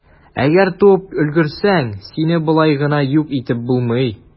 Әгәр туып өлгерсәң, сине болай гына юк итеп булмый.